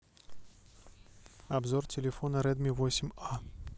обзор телефона редми восемь а